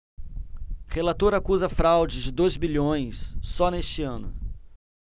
relator acusa fraude de dois bilhões só neste ano